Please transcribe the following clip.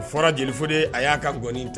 A fɔra jeli Fode a y'a ka gɔni ta